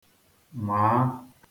nwàa